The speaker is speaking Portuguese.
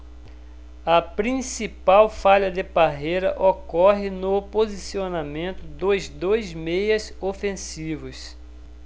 a principal falha de parreira ocorre no posicionamento dos dois meias ofensivos